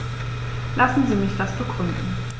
Lassen Sie mich das begründen.